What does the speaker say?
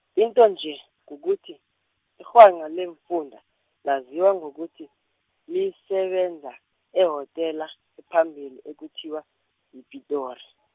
into nje, kukuthi, irhwanqa leemfunda, laziwa ngokuthi, lisebenza ehotela, ephambili ekuthiwa yiPitori.